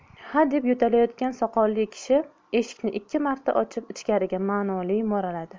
hadeb yo'talayotgan soqolli kishi eshikni ikki marta ochib ichkariga manoli mo'raladi